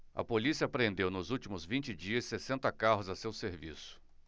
a polícia apreendeu nos últimos vinte dias sessenta carros a seu serviço